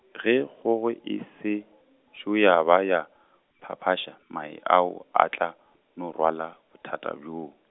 ge kgogo e sešo ya ba ya, phaphaša, mae ao a tla no rwala, bothata bjoo.